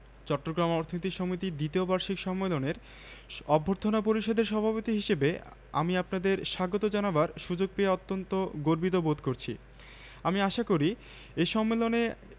চট্টগ্রাম অর্থনীতি সমিতির দ্বিতীয় বার্ষিক সম্মেলনের অভ্যর্থনা পরিষদের সভাপতি হিসেবে আমি আপনাদের স্বাগত জানাবার সুযোগ পেয়ে অত্যন্ত গর্বিত বোধ করছি আমি আশা করি এ সম্মেলনে